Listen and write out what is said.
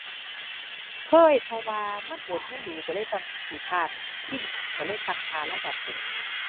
เคย เพราะว่ามันโอนเงินดู๋ ก็เลยตั้งขี้คร้านพิมพ์ ก็เลยตั้งค่ารายการโปรด